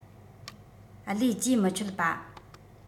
བློས རྗེས མི ཆོད པ